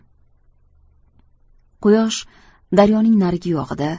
quyosh daryoning narigi yog'ida